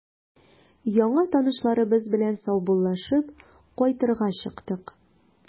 Яңа танышларыбыз белән саубуллашып, кайтырга чыктык.